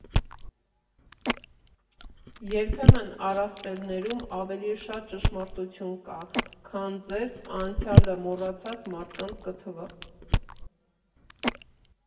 Երբեմն առասպելներում ավելի շատ ճշմարտություն կա, քան ձեզ՝ անցյալը մոռացած մարդկանց կթվա։